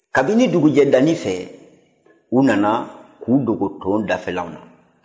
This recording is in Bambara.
kabini dugujɛdanin fɛ u nana k'u dogo nton dafɛla na